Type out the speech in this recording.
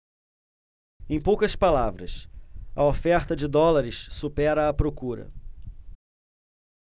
em poucas palavras a oferta de dólares supera a procura